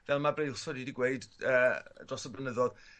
fel ma' Brailsford wedi gweud yy dros y blynyddodd